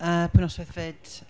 yy, po noswaith hefyd.